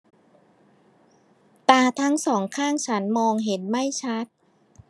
ตาทั้งสองข้างฉันมองเห็นไม่ชัด